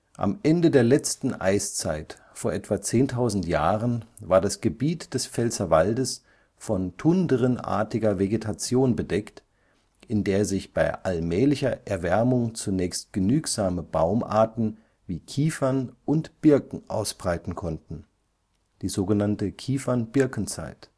Am Ende der letzten Eiszeit vor etwa 10.000 Jahren war das Gebiet des Pfälzerwaldes von tundrenartiger Vegetation bedeckt, in der sich bei allmählicher Erwärmung zunächst genügsame Baumarten wie Kiefern und Birken ausbreiten konnten („ Kiefern-Birkenzeit